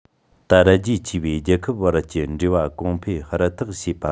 དར རྒྱས ཆེ བའི རྒྱལ ཁབ བར གྱི འབྲེལ བ གོང འཕེལ ཧུར ཐག བྱེད